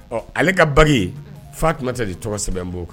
Ɔ ale ka Bague Faatumata de tɔgɔ sɛbɛn b'o ka